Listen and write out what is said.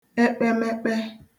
ekemekpe